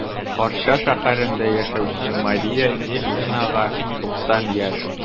Арча шәһәрендә яшәүче Мария Ильинага 90 яшь.